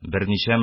. берничә